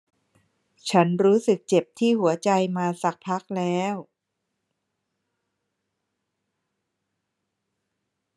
ฉันรู้สึกเจ็บที่หัวใจมาสักพักแล้ว